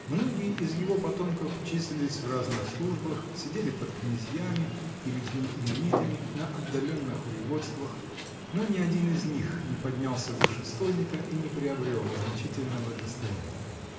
Многие из его потомков числились в разных службах, сидели под князьями и людьми именитыми на отдаленных воеводствах, но ни один из них не поднялся выше стольника и не приобрел значительного достояния.